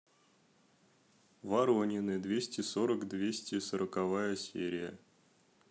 воронины двести сорок двести сороковая серия